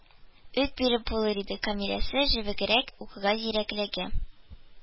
Ук биреп булыр иде, камиләсе җебегрәк, укуга зирәклеге